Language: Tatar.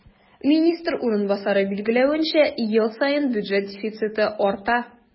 Министр урынбасары билгеләвенчә, ел саен бюджет дефициты арта.